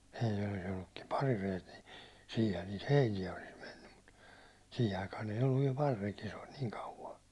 meillä olisi ollutkin parireet niin siinähän niitä heiniä olisi mennyt mutta siihen aikaan ei ollut vielä parirekiä se oli niin kauan